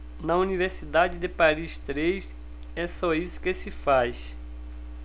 na universidade de paris três é só isso que se faz